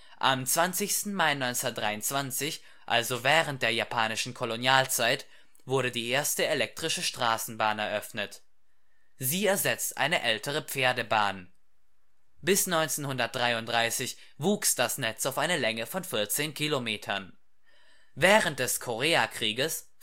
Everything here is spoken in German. Am 20. Mai 1923, also während der japanischen Kolonialzeit, wurde die erste elektrische Straßenbahn eröffnet. Sie ersetzte eine ältere Pferdebahn. Bis 1933 wuchs das Netz auf eine Länge von 14 Kilometern. Während des Koreakrieges